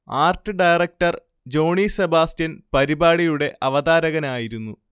art director Johny Sebastian പരിപാടിയുടെ അവതാരകനായിരുന്നു